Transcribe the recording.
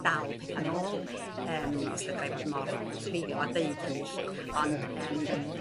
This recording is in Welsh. dal petha' nôl yym os fedrai fod mor feiddiol a deud hynny 'llu ond yym